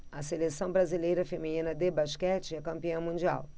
a seleção brasileira feminina de basquete é campeã mundial